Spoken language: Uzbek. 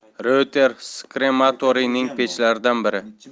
reuterskrematoriyning pechlaridan biri